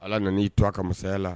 Ala nan'i to a ka mansaya la